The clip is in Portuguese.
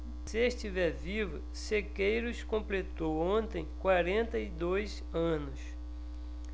se estiver vivo sequeiros completou ontem quarenta e dois anos